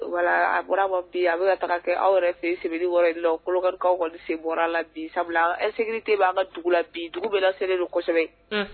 Bɔra bi a bɛka taga kɛ aw yɛrɛ fɛ sɛbɛn wɔɔrɔ la kolokaw ka se bɔra la bi sabula e tɛ b'a ka dugu la bi dugu bɛ seliere don kosɛbɛ